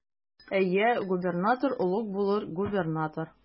Әйе, губернатор олуг булыр, губернатор.